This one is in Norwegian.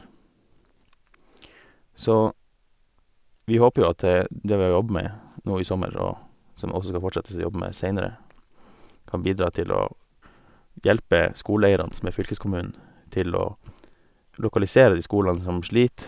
Så vi håper jo at det vi har jobba med nå i sommer og som også skal fortsettes å jobbe med seinere, kan bidra til å hjelpe skoleeierne, som er fylkeskommunen, til å lokalisere de skolene som sliter.